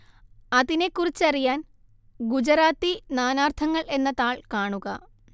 അതിനെക്കുറിച്ചറിയാൻ ഗുജറാത്തി നാനാർത്ഥങ്ങൾ എന്ന താൾ കാണുക